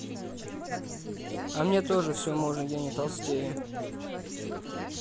а мне тоже все можно я не толстею